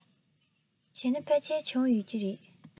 བྱས ན ཕལ ཆེར བྱུང ཡོད ཀྱི རེད